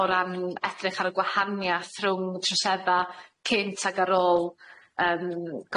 o ran edrych ar y gwahaniath rhwng trosedda' cynt ag ar ôl yym